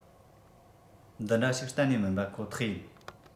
འདི འདྲ ཞིག གཏན ནས མིན པ ཁོ ཐག ཡིན